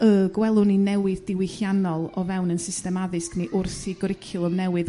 y gwelwn ni newydd diwylliannol o fewn 'yn system addysg ni wrth i gwricwlwm newydd